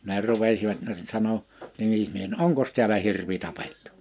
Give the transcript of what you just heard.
ne rupesivat no se sanoi nimismies no onkos täällä hirvi tapettu